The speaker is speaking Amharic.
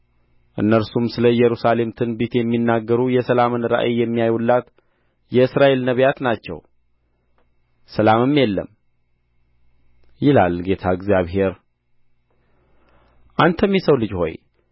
እነርሱም ስለ ኢየሩሳሌም ትንቢት የሚናገሩ የሰላምን ራእይ የሚያዩላት የእስራኤል ነቢያት ናቸው ሰላምም የለም ይላል ጌታ እግዚአብሔር አንተም የሰው ልጅ ሆይ